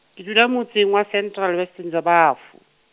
ke dula motseng wa Central Western Jabavu.